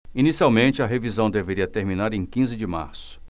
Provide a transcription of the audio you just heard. inicialmente a revisão deveria terminar em quinze de março